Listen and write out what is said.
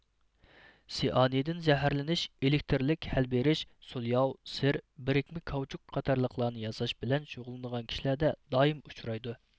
سىئانىدىن زەھەرلىنىش ئېلېكترلىك ھەل بېرىش سۇلياۋ سىر بىرىكمە كاۋچۇك قاتارلىقلارنى ياساش بىلەن شۇغۇللىنىدىغان كىشىلەردە دائىم ئۇچرايدۇ